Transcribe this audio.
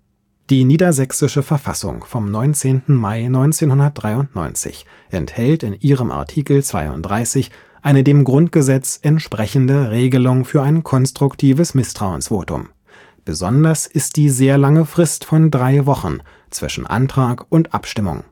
Die Niedersächsische Verfassung vom 19. Mai 1993 enthält in ihrem Artikel 32 eine dem Grundgesetz entsprechende Regelung für ein konstruktives Misstrauensvotum, besonders ist die sehr lange Frist von drei Wochen zwischen Antrag und Abstimmung